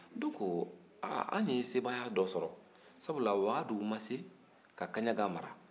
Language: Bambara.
ola anw ye sebagaya dɔ sɔrɔ sabula wagadu ma se ka kaɲaga mara